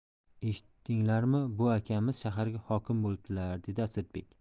eshitdinglarmi bu akamiz shaharga hokim bo'libdilar dedi asadbek